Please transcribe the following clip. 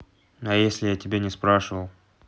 а если я тебя не спрашивал